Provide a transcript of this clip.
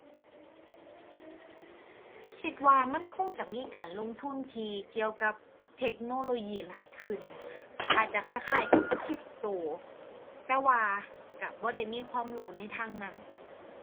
คิดว่ามันคงจะมีการลงทุนที่เกี่ยวกับเทคโนโลยีหลายขึ้น อาจจะคล้ายคล้ายกับคริปโต แต่ว่าก็บ่ได้มีความรู้ในทางนั้น